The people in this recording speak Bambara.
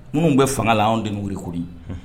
Minnu bɛ fanga la anw denw weele kodi